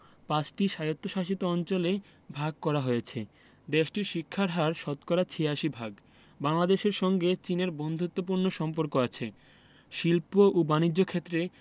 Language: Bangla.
৫ টি স্বায়ত্তশাসিত অঞ্চলে ভাগ করা হয়েছে দেশটির শিক্ষার হার শতকরা ৮৬ ভাগ বাংলাদেশের সঙ্গে চীনের বন্ধুত্বপূর্ণ সম্পর্ক আছে শিল্প ও বানিজ্য ক্ষেত্রে